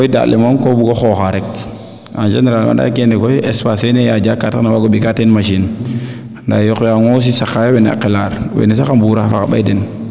daa koy daand le moom ko bugo xooxa rek en generale ande keene koy ande espace fee ne yaaja ka tax na o waago mbeka teen machine ndaa yoq we xa ŋoosi saqa yo wene a qelaar wene sax a mbuura faxa ɓay den